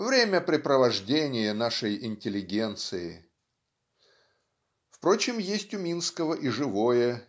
времяпрепровождение нашей интеллигенции. Впрочем есть у Минского и живое